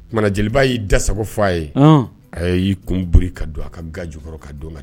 Tumaumana jeliba y'i dasa fɔ a ye a y'i kun boli ka don a ka ga jukɔrɔ ka don ka